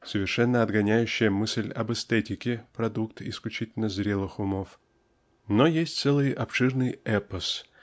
совершенно отгоняющая мысль об эстетике -- продукте исключительно зрелых умов но есть целый обширный эпос